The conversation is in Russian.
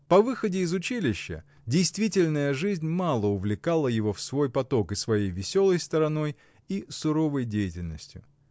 По выходе из училища, действительная жизнь мало увлекала его в свой поток и своей веселой стороной, и суровой деятельностью.